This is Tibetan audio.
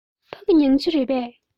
ཕ གི མྱང ཆུ རེད པས